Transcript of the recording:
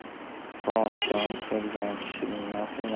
frontdan kelgan kishining nasl